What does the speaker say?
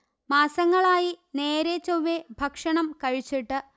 മാസങ്ങളായി നേരെ ചൊവ്വെ ഭക്ഷണം കഴിച്ചിട്ട്